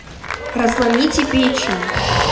разломить печень